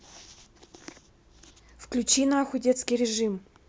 включи нахуй детский режим